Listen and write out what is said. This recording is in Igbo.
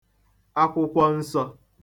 Akwụkwọ Nsọ̄